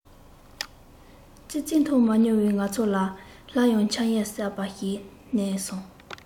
ཙི ཙི མཐོང མ མྱོང བའི ང ཚོ ལ སླར ཡང འཆར ཡན གསར པ ཞིག བསྣན སོང